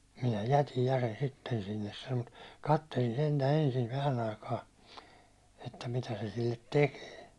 minä jätin ja sen sitten sinne sanoi mutta katselin sentään ensin vähän aikaa että mitä se sille tekee